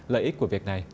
lợi ích của việc này